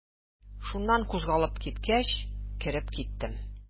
Шуннан кузгалып киткәч, кереп киттем.